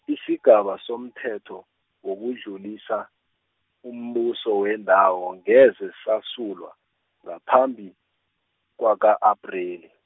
isigaba somthetho, wokudlulisa, umbuso wendawo ngeze sasulwa, ngaphambi, kwaka-Apreli.